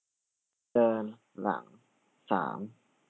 เดินหลังสาม